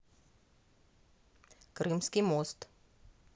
крымский мост